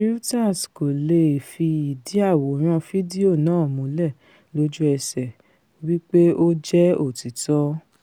Reuters kò leè fi ìdí àwòrán fídíò náà múlẹ̀ lójú-ẹṣẹ̀ wí pé ó jẹ òtítọ́.